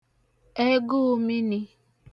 ẹgụụ̄ minī